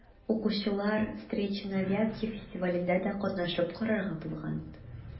Укучылар «Встречи на Вятке» фестивалендә дә катнашып карарга булган.